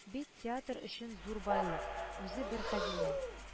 Бит театр өчен зур байлык, үзе бер хәзинә